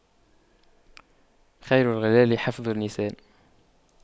خير الخلال حفظ اللسان